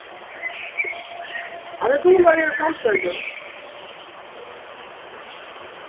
hann er dugnaligur og framsøkin